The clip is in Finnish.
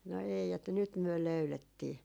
no ei että nyt me löydettiin